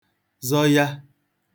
zọya